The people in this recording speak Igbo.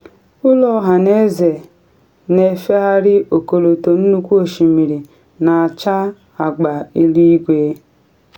Ụlọ ọhaneze na efegharị ọkọlọtọ nnukwu osimiri na acha agba eluigwe.